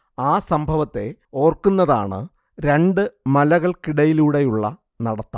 ആ സംഭവത്തെ ഓർക്കുന്നതാണ് രണ്ടു മലകൾക്കിടയിലൂടെയുള്ള നടത്തം